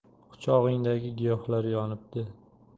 quchog'ingdagi giyohlar yonibdi